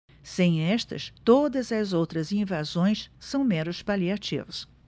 sem estas todas as outras invasões são meros paliativos